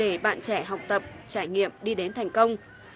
để bạn trẻ học tập trải nghiệm đi đến thành công